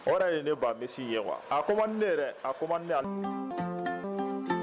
O ye ne ba misisi ye wa a ko ne a ko